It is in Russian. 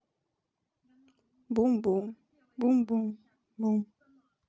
бум бум бум бум бум